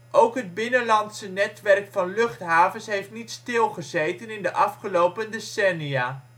Ook het binnenlandse netwerk van luchthavens heeft niet stil gezeten in de afgelopen decennia